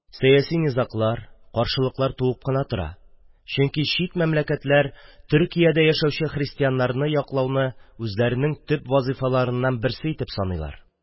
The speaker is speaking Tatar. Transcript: Сәяси низаклар, каршылыклар туып кына тора, чөнки чит мәмләкәтләр Төркиядә яшәүче христианнарны яклауны үзләренең төп вазифаларыннан берсе итеп саныйлар